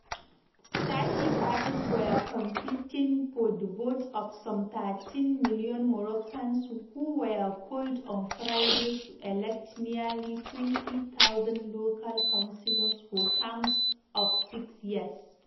Thirty parties were competing for the votes of some 13 million Moroccans who were called on Friday to elect nearly 20,000 local councilors for terms of six years.